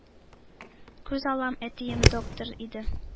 — күз алмам — әтием — доктор иде,